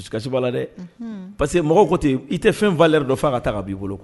Kasiba la dɛ parce que mɔgɔw ko tɛ yen i tɛ fɛn fa yɛrɛ dɔ fo ka taa ka b'i bolo kuwa